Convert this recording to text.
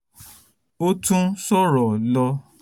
Ó tún sọ̀rọ̀ lọ.